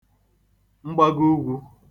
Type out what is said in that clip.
mgbago ugwū